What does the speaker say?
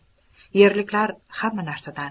yerliklar hamma narsadan